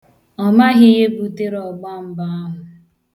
Ọ maghị ihe butere ọgbambọ ahụ.